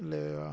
Lewe waaw